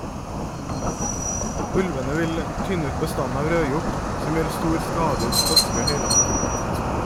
Ulvene vil tynne ut bestanden av rødhjort , som gjør stor skade i det skotske høylandet.